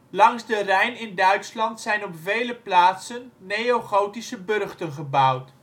Langs de Rijn in Duitsland zijn op vele plaatsen neogotische burchten gebouwd